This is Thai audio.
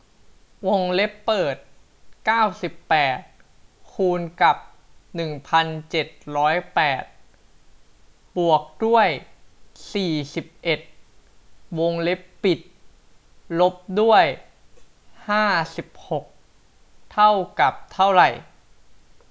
วงเล็บเปิดเก้าสิบแปดคูณกับหนึ่งพันเจ็ดร้อยแปดบวกด้วยสี่สิบเอ็ดวงเล็บปิดลบด้วยห้าสิบหกเท่ากับเท่าไหร่